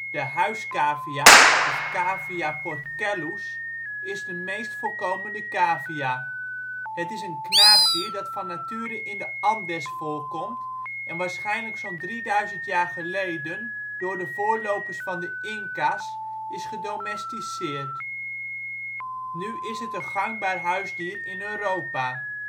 De huiscavia (Cavia porcellus) is de meest voorkomende cavia. Het is een knaagdier dat van nature in de Andes voorkomt en waarschijnlijk zo 'n 3000 jaar geleden door de voorlopers van de Inca 's is gedomesticeerd. Nu is het een gangbaar huisdier in Europa